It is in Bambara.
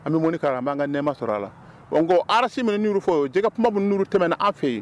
An bɛ b'an ka nɛma sɔrɔ a la n ko arasi minɛ fɔ o ka kuma min tɛmɛna an fɛ yen